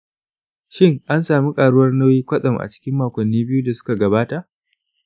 shin, an sami ƙaruwar nauyi kwatsam a cikin makonni biyu da suka gabata?